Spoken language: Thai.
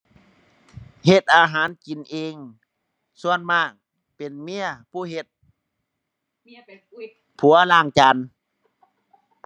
เฮ็ดอาหารกินเอง ส่วนมากเป็นเมียผู้เฮ็ด ผัวล้างจาน